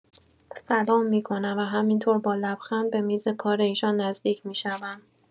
سلام می‌کنم و همینطور با لبخند به میز کار ایشان نزدیک می‌شوم.